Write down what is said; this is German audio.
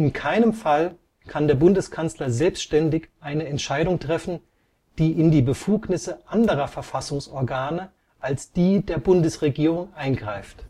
keinem Fall kann der Bundeskanzler selbstständig eine Entscheidung treffen, die in die Befugnisse anderer Verfassungsorgane als die der Bundesregierung eingreift